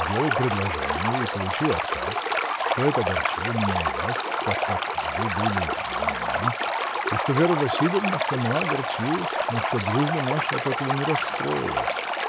делал предложение и получил отказ, что это огорчило меня и вас, так как вы были — за меня, и что Вера Васильевна сама огорчилась, но что дружба наша от этого не расстроилась.